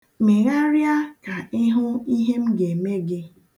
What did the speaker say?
Mịgharịa ka ị hụ ihe m ga-eme gị.